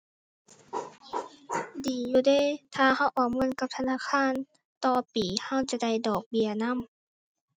ดีอยู่เดะ ถ้าเราออมเงินกับธนาคารต่อปีเราจะได้ดอกเบี้ยนำ